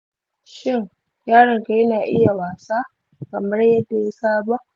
shin yaronka yana iya wasa kamar yadda ya saba?